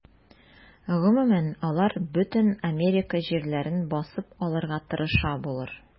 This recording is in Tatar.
Гомумән, алар бөтен Америка җирләрен басып алырга тырыша булыр.